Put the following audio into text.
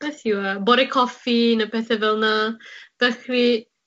beth yw e bore coffi ne' pethe fel 'na felly